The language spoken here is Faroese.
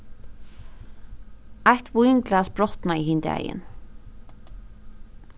eitt vínglas brotnaði hin dagin